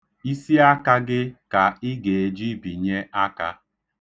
Isiaka gị ka ị ga-eji binye aka.